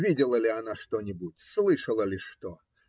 Видела ли она что-нибудь, слышала ли что?